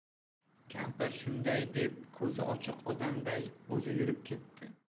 kampir shunday deb ko'zi ochiq odamday o'zi yurib ketdi